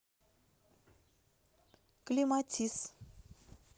клематис